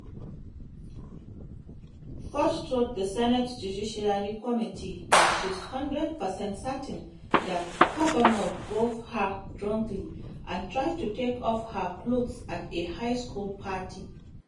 Ford told the Senate Judiciary Committee that she's 100 percent certain that Kavanaugh groped her drunkenly and tried to take off her clothes at a high school party.